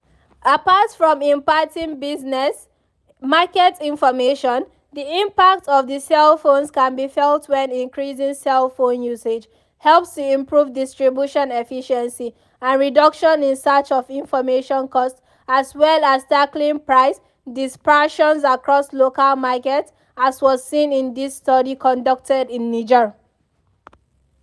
Apart from imparting business/market information, the impact of the cell phones can be felt when increasing cell phone usage helps to improve distribution efficiency and reduction in search-of-information costs as well as tackling price dispersions across local markets, as was seen in this study conducted in Niger.